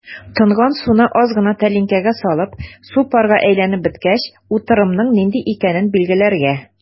Тонган суны аз гына тәлинкәгә салып, су парга әйләнеп беткәч, утырымның нинди икәнен билгеләргә.